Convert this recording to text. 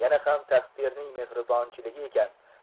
yana ham taqdiring mehribonchiligi ekan